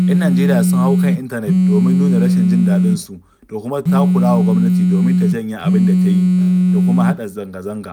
Yan Najeriya sun hau kan intanet domin nuna rashin jin daɗinsu, da kuma takurawa gwamnati domin ta janye abin da ta yi da kuma haɗa zanga-zanga: